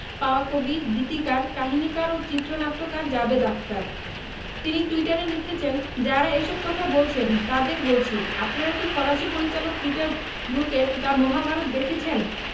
পাওয়া কবি গীতিকার কাহিনিকার ও চিত্রনাট্যকার জাভেদ আখতার তিনি টুইটারে লিখেছেন যাঁরা এসব কথা বলছেন তাঁদের বলছি আপনারা কি ফরাসি পরিচালক পিটার ব্রুকের “দ্য মহাভারত” দেখেছেন